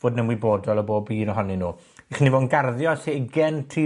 fod yn ymwybodol o bob un ohonyn nw. Chi myn' i bo' 'n garddio se ugen, tri